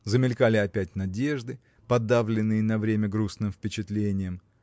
Замелькали опять надежды, подавленные на время грустным впечатлением